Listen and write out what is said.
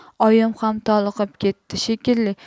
oyim ham toliqib ketdi shekilli